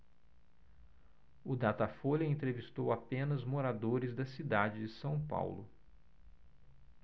o datafolha entrevistou apenas moradores da cidade de são paulo